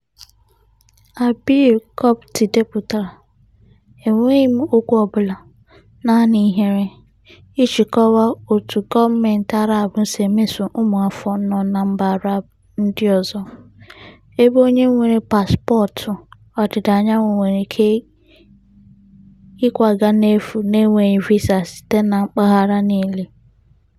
Abir Kopty depụtara, "Enweghị m okwu ọbụla, naanị ihere, iji kọwaa otu gọọmentị Arab si emeso ụmụafọ nọ na mba Arab ndị ọzọ, ebe onye nwere paspọtụ Ọdịdaanyanwụ nwere ike ịkwaga n'efu n'enweghị visa site na mpaghara niile."